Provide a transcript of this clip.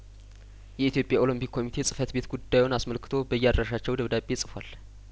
የኢትዮጵያ ኦሎምፒክ ኮሚቴ ጽፈት ቤት ጉዳዩን አስመልክቶ በየአድራሻቸው ደብዳቤ ጽፏል